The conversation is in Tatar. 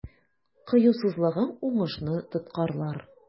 Кыюсызлыгың уңышны тоткарлар.